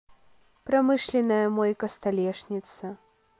промышленная мойка столешница